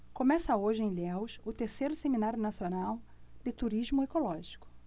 começa hoje em ilhéus o terceiro seminário nacional de turismo ecológico